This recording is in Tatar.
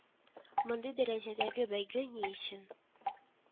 Мондый дәрәҗәдәге бәйге ни өчен